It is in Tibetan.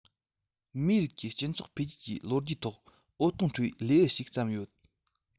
མིའི རིགས ཀྱི སྤྱི ཚོགས འཕེལ རྒྱས ཀྱི ལོ རྒྱུས ཐོག འོད སྟོང འཕྲོ བའི ལེའུ ཞིག བརྩམས ཡོད